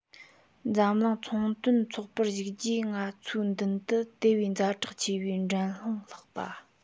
འཛམ གླིང ཚོང དོན ཚོགས པར ཞུགས རྗེས ང ཚོའི མདུན དུ དེ བས ཛ དྲག ཆེ བའི འགྲན སློང ལྷགས པ